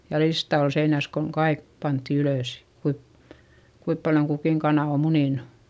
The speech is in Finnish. ja lista oli seinässä kun kaikki pantiin ylös kuinka kuinka paljon kukin kana on muninut